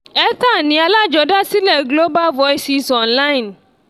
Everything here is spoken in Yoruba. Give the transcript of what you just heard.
Ethan ni alájọdásílẹ̀ Global Voices Online.